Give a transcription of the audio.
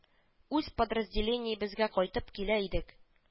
Үз подразделениебезгә кайтып килә идек